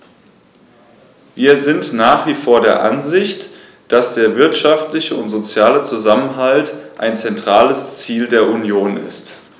Wir sind nach wie vor der Ansicht, dass der wirtschaftliche und soziale Zusammenhalt ein zentrales Ziel der Union ist.